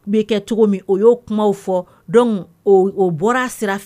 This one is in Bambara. U bɛ kɛ cogo min o y ye'o kuma fɔ dɔn o bɔra sira fɛ